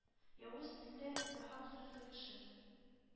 Явыз телле, нахак сүзле кеше,